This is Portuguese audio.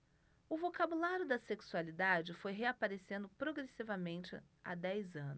o vocabulário da sexualidade foi reaparecendo progressivamente há dez anos